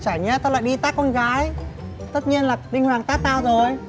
chả nhẽ tao lại đi tát con gái tất nhiên là linh hoàng tát tao rồi